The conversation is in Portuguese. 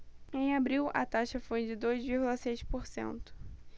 em abril a taxa foi de dois vírgula seis por cento